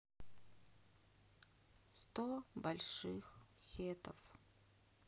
сто больших сетов